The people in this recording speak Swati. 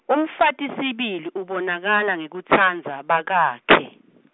umfati sibili, ubonakala ngekutsandza, bakakhe.